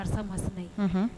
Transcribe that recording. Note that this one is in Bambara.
Karisa masinɛ unhun